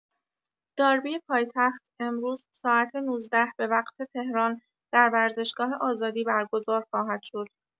داربی پایتخت امروز ساعت ۱۹ به‌وقت‌تهران در ورزشگاه آزادی برگزار خواهد شد.